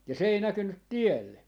ja se ei näkynyt tielle